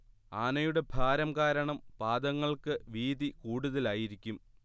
ആനയുടെ ഭാരം കാരണം പാദങ്ങൾക്ക് വീതി കൂടുതലായിരിക്കും